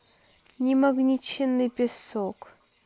намагниченный песок